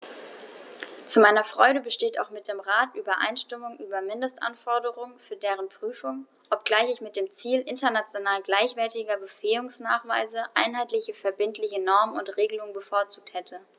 Zu meiner Freude besteht auch mit dem Rat Übereinstimmung über Mindestanforderungen für deren Prüfung, obgleich ich mit dem Ziel international gleichwertiger Befähigungsnachweise einheitliche verbindliche Normen und Regelungen bevorzugt hätte.